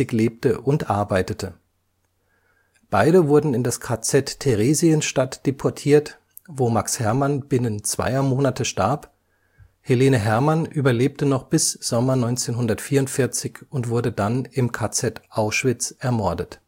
lebte und arbeitete. Beide wurden in das KZ Theresienstadt deportiert, wo Max Hermann binnen zweier Monate starb, Helene Herrmann überlebte noch bis zum Sommer 1944 und wurde dann im KZ Auschwitz ermordet